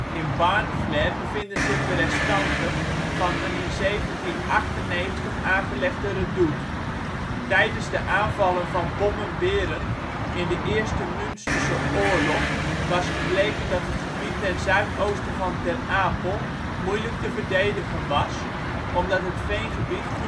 In Barnflair bevinden zich de restanten van een 1798 aangelegde redoute. Tijdens de aanvallen van Bommen Berend in de Eerste Münsterse oorlog was gebleken dat het gebied ten zuidoosten van Ter Apel moeilijk te verdedigen was, omdat het veengebied